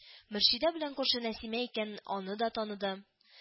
Мөршидә белән күрше Нәсимә икән, аны да таныды